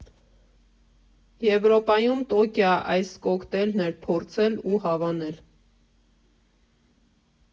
Եվրոպայում «Տոկիա այս» կոկտեյլն էի փորձել ու հավանել։